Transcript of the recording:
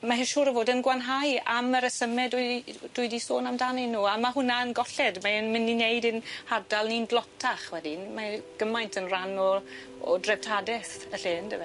Mae hi'n siŵr o fod yn gwanhau am y resyme dwi 'di dwi 'di sôn amdanyn nw a ma' hwnna yn golled mae e'n myn' i neud ein hardal ni'n dlotach wedyn mae gymaint yn ran o o dreftadeth y lle yndyfe?